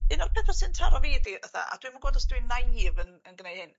Un o'r petha sy'n taro fi 'di fatha a dwi'm yn gwod os dwi 'y nain i even yn gneu' hyn.